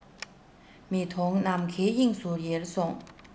མི མཐོང ནམ མཁའི དབྱིངས སུ ཡལ སོང